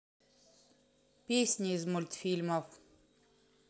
песни из мультфильмов